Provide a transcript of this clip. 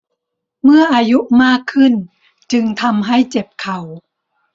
เมื่ออายุมากขึ้นจึงทำให้เจ็บเข่า